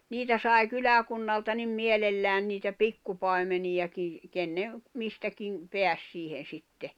niitä sai kyläkunnalta niin mielellään niitä pikkupaimeniakin kenen mistäkin pääsi siihen sitten